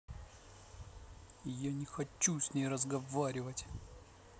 я не хочу с ней разговаривать